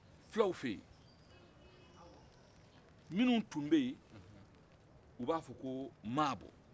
filaw fɛ yen minnun tun bɛ ye a b'a fɔ ko maabɔ